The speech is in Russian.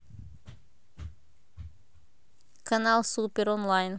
канал супер онлайн